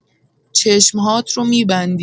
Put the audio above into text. چشم‌هات رو می‌بندی.